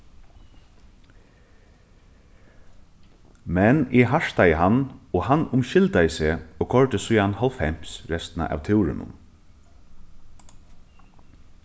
men eg hartaði hann og hann umskyldaði seg og koyrdi síðan hálvfems restina av túrinum